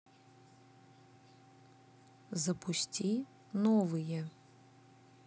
запусти новые